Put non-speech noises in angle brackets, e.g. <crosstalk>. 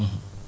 <hesitation> <hesitation>